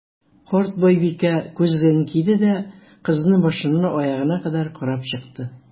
Карт байбикә, күзлеген киде дә, кызны башыннан аягына кадәр карап чыкты.